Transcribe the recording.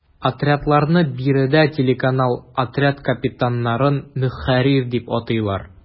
Отрядларны биредә “телеканал”, отряд капитаннарын “ мөхәррир” дип атыйлар.